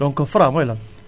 donc Fra mooy lan